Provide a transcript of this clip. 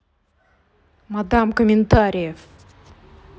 мадам комментариев